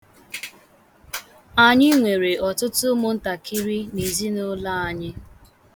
Anyị nwere ọtụtụ ụmụntakịrị n'ezinụlọ anyị.